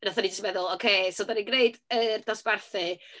Wnaethon ni jyst meddwl, "ocê, so dan ni'n gwneud y dosbarthu".